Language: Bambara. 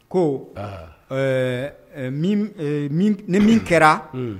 Ko, ɔhɔ, ɛɛ, min ni min kɛra un.